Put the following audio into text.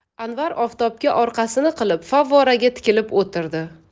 anvar oftobga orqasini qilib favvoraga tikilib o'tirdi